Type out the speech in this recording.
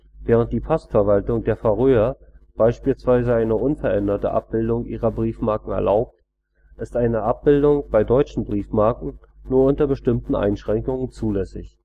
Maß. Während die Postverwaltung der Färöer beispielsweise eine unveränderte Abbildung ihrer Briefmarken erlaubt, ist eine Abbildung bei deutschen Briefmarken nur unter bestimmten Einschränkungen zulässig